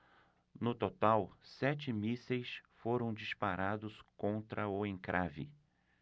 no total sete mísseis foram disparados contra o encrave